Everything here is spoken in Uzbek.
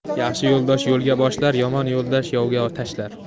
yaxshi yo'ldosh yo'lga boshlar yomon yo'ldosh yovga tashlar